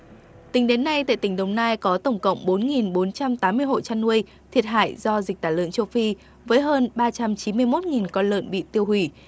tính đến nay tại tỉnh đồng nai có tổng cộng bốn nghìn bốn trăm tám mươi hộ chăn nuôi thiệt hại do dịch tả lợn châu phi với hơn ba trăm chín mươi mốt nghìn con lợn bị tiêu hủy